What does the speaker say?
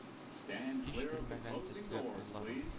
Һич үлмәгән төсле улларым,